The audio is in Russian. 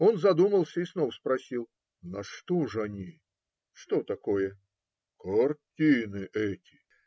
Он задумался и снова спросил: - На что ж они? - Что такое? - Картины эти.